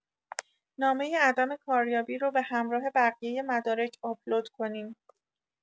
نامۀ عدم کاریابی رو به همراه بقیۀ مدارک آپلود کنیم